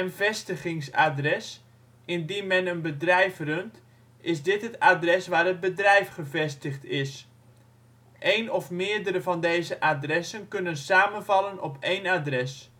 vestigingsadres (indien men een bedrijf runt, is dit het adres waar het bedrijf gevestigd is) 1 of meerdere van deze adressen kunnen samenvallen op 1 adres